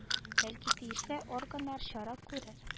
Бәлки тиешле органнар чара күрер